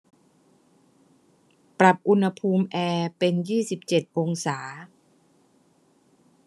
ปรับอุณหภูมิแอร์เป็นยี่สิบเจ็ดองศา